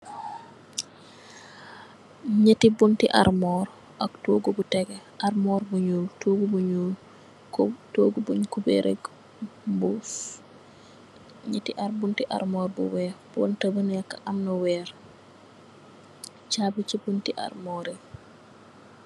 Neeti bunti almor ak togu bu tegeh almor bu nuul togu bu nuul kaw togu bi nyu cubereh ko mbuss neeti bunti almor bunta bu neka amna weer cabi mung si bunti almor yi.